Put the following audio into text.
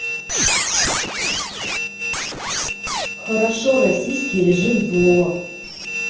хорошо российский режим зло